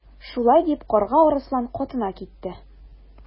Шулай дип Карга Арыслан катына китте.